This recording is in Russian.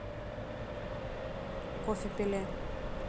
кофе пеле